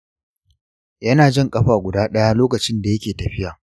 yana jan ƙafa guda ɗaya lokacin da yake tafiya.